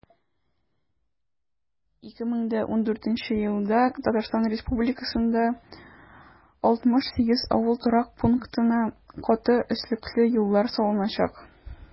2014 елда татарстан республикасында 68 авыл торак пунктына каты өслекле юллар салыначак.